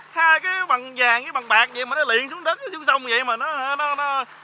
hai cái bằng vàng với vàng bạc dậy mà nó liệng xuống đất dới xuống sông dậy mà nó nó